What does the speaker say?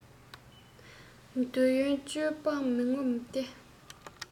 འདོད ཡོན སྤྱད པས མི ངོམས ཏེ